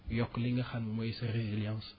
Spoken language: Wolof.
yokk li nga xam ni mooy sa résilience